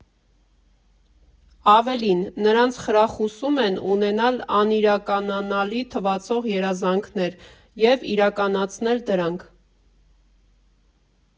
Ավելին, նրանց խրախուսում են ունենալ անիրականանալի թվացող երազանքներ, և իրականացնել դրանք։